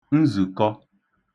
nzùkọ